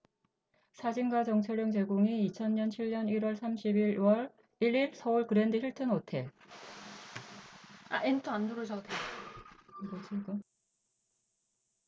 사진가 장철영 제공 이 이 이천 칠 년 일 월 삼십 일 일 서울 그랜드 힐튼 호텔